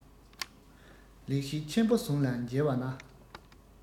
ལེགས བཤད ཆེན པོ ཟུང ལ མཇལ བ ན